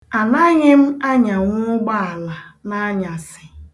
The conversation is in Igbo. Anaghị m anyanwu ụgbaala n'anyasị.